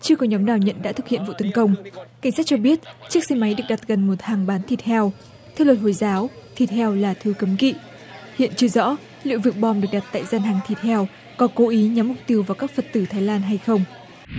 chưa có nhóm nào nhận đã thực hiện vụ tấn công cảnh sát cho biết chiếc xe máy được đặt gần một hàng bán thịt heo theo luật hồi giáo thịt heo là thứ cấm kị hiện chưa rõ liệu việc bom được đặt tại gian hàng thịt heo có cố ý nhắm mục tiêu vào các phật tử thái lan hay không